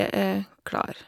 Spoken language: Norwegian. Jeg er klar.